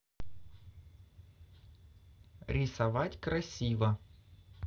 рисовать красиво